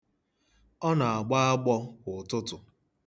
Ọ na-agbọ agbọ kwa ụtụtụ.